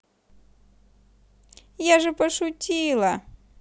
я же пошутила